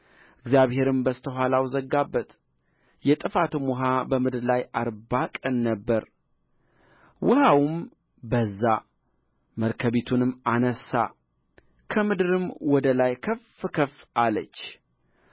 እግዚአብሔርም በስተ ኋላው ዘጋበት የጥፋትም ውኃ በምድር ላይ አርባ ቀን ነበረ ውኃውም በዛ መርከቢቱንም አነሣ ከምድርም ወደ ላይ ከፍ ከፍ አለች